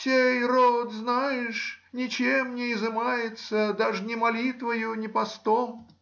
сей род, знаешь, ничем не изымается, даже ни молитвою, ни постом.